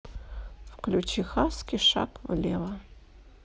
включи хаски шаг влево